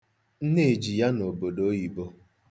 Nneji ya nọ obodo oyibo.